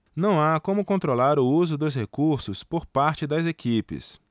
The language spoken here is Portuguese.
não há como controlar o uso dos recursos por parte das equipes